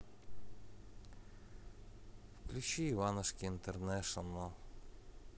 включи иванушки интернешнл